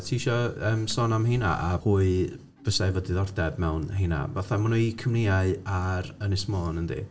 Ti isio, yym, sôn am rheina a pwy fysa efo diddordeb mewn rheina? Fatha, 'ma nhw i cwmnïau ar Ynys Mon, yndy?